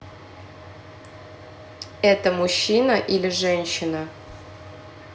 это мужчина или женщина